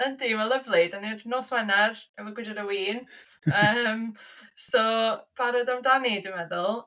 Yndi, mae'n lyfli, dan ni'r nos Wener efo gwydred o win yym so barod amdani dwi'n meddwl.